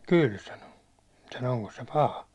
kyllä sanoi sanoi onkos se paha